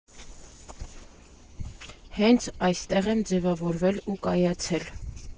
Հենց այստեղ եմ ձևավորվել ու կայացել։